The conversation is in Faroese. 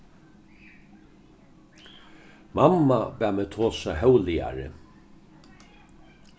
mamma bað meg tosa hóvligari